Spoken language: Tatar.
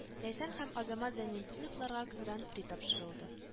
Ләйсән һәм Азамат Зәйнетдиновларга Гран-при тапшырылды